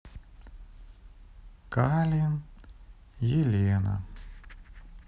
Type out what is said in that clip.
калин елена